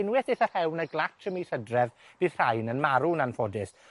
unweth ddeth y rhew 'na glats ym mis Hydref, bydd rhain yn marw'n anffodus.